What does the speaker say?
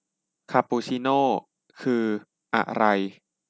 คาปูชิโน่คืออะไร